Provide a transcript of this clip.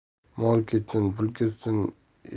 mol ketsin pul ketsin